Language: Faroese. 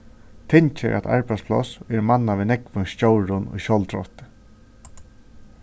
tingið er eitt arbeiðspláss ið er mannað við nógvum stjórum í sjálvdrátti